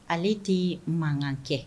Ale tɛ mankan kɛ